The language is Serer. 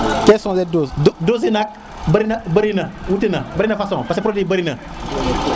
quelles sont les dose dose yi nak bërina bërina wute na bërina façon parce que produit yi bërina